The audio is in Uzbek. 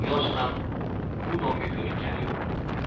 yosh ham bu nomga ko'nikkani yo'q